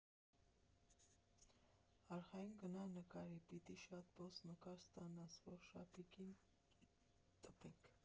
Արխային գնա նկարի, պիտի շատ բոց նկար ստանաս, որ շապիկին տպենք։